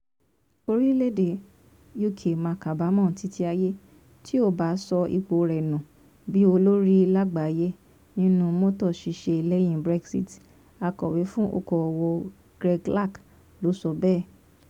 Orílẹ̀ èdè UK "má kábámọ̀ títí ayé" tí ó bá sọ ipò rẹ̀ nù bíi olórí lágbàáyé nínú mọ́tò ṣiṣẹ́ lẹ́yìn Brexit, àkswé fún okòòwò Greg Clark ló sọ bẹ́ẹ.